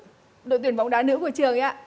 đội tuyển bóng đá nữ của trường ấy ạ